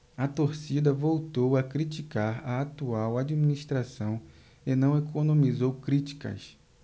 a torcida voltou a criticar a atual administração e não economizou críticas